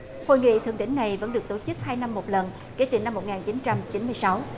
hội nghị thượng đỉnh này vẫn được tổ chức hai năm một lần kể từ năm một nghìn chín trăm chín mươi sáu